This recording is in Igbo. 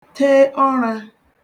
tee ọrā